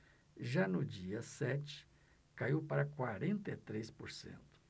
já no dia sete caiu para quarenta e três por cento